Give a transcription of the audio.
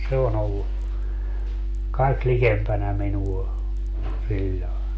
se on ollut kaikkein likempänä minua sillä lailla